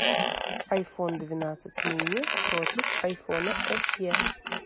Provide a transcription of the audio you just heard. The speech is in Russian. iphone двенадцать мини против айфона se